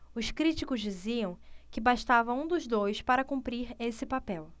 os críticos diziam que bastava um dos dois para cumprir esse papel